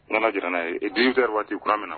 N allah diɲɛn n'a ye 18 heures waati kura bɛna na!